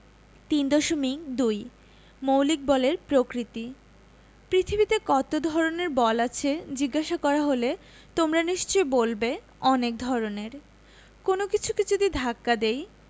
3.2 মৌলিক বলের প্রকৃতিঃ পৃথিবীতে কত ধরনের বল আছে জিজ্ঞেস করা হলে তোমরা নিশ্চয়ই বলবে অনেক ধরনের কোনো কিছুকে যদি ধাক্কা দিই